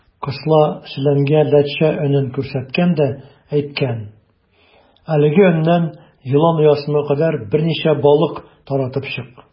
Кысла челәнгә ләтчә өнен күрсәткән дә әйткән: "Әлеге өннән елан оясына кадәр берничә балык таратып чык".